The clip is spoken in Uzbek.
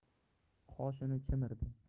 qoshini chimirdi